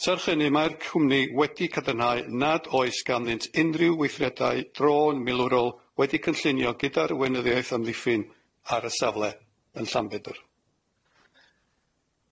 Serch hynny mae'r cwmni wedi cadarnhau nad oes ganddynt unrhyw weithredau drôn milwrol wedi'u cynllunio gyda'r weinyddiaeth amddiffyn ar y safle yn Llanbedr.